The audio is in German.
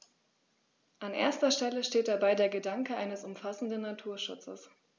An erster Stelle steht dabei der Gedanke eines umfassenden Naturschutzes.